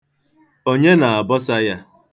Onye na-abọsa ya?